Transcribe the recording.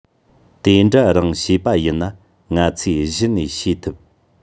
དེ འདྲ རང བྱས པ ཡིན ན ང ཚོས གཞི ནས ཤེས ཐུབ